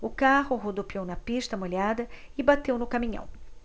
o carro rodopiou na pista molhada e bateu no caminhão